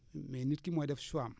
mais nit ki mooy def choix am